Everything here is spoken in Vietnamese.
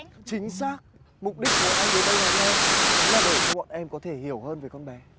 chính xác mục đích của bọn anh đến đây ngày hôm nay chính là để cho bọn em có thể hiểu hơn về con bé